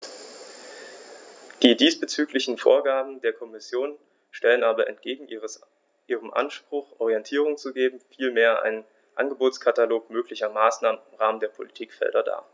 Die diesbezüglichen Vorgaben der Kommission stellen aber entgegen ihrem Anspruch, Orientierung zu geben, vielmehr einen Angebotskatalog möglicher Maßnahmen im Rahmen der Politikfelder dar.